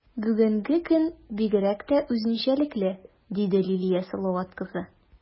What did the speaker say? Бүгенге көн бигрәк тә үзенчәлекле, - диде Лилия Салават кызы.